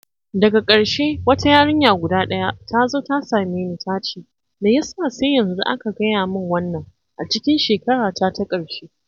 ‘Daga ƙarshe wata yarinya guda ɗaya ta zo ta same ni ta ce: ‘Me ya sa sai yanzu aka gaya mun wannan, a cikin shekarata ta karshe?’